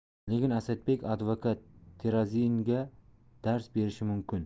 lekin asadbek advokat teraziniga dars berishi mumkin